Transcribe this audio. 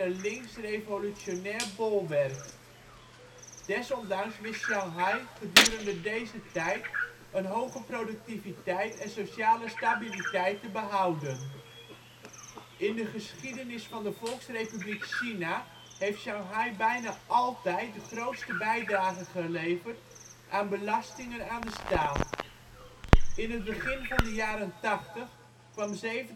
links revolutionair bolwerk. Desondanks wist Shanghai gedurende deze tijd een hoge productiviteit en sociale stabiliteit te behouden. In de geschiedenis van de Volksrepubliek China heeft Shanghai bijna altijd de grootste bijdrage geleverd aan belastingen aan de staat. In het begin van de jaren ' 80 kwam 70-80